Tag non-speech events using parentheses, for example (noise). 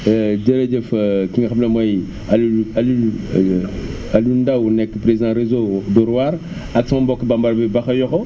(hesitation) jërëjëf (hesitation) ki nga xam ne mooy Aliou Aliou Aliou Ndao nekk président réseau Dóor waar ak sama mbokku bambara bi Bakhayokho